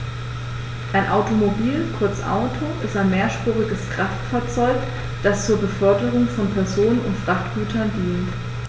Ein Automobil, kurz Auto, ist ein mehrspuriges Kraftfahrzeug, das zur Beförderung von Personen und Frachtgütern dient.